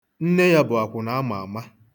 Nne ya bụ akwụna a ma ama.